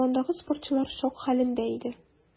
Салондагы спортчылар шок хәлендә иде.